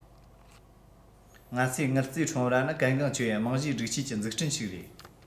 ང ཚོས དངུལ རྩའི ཁྲོམ ར ནི གལ འགངས ཆེ བའི རྨང གཞིའི སྒྲིག ཆས ཀྱི འཛུགས སྐྲུན ཞིག རེད